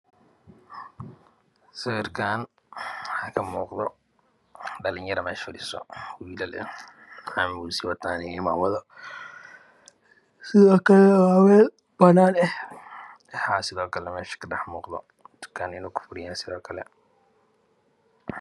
Sawirkan waxa kamuqdo dhalanyaro mesha fadhiso wilal ah macmuso wato cimamado Sidokale wa mel banan ah waxa sidokale Mesha kadhax muqdo tukan in u kafuranyahay sidokale